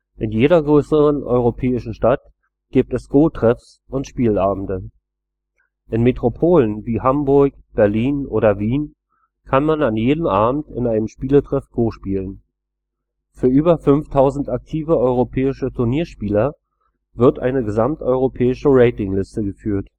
In jeder größeren europäischen Stadt gibt es Go-Treffs und Spielabende. In Metropolen wie Hamburg, Berlin oder Wien kann man an jedem Abend in einem Spieltreff Go spielen. Für über 5000 aktive europäische Turnierspieler wird eine gesamteuropäische Ratingliste geführt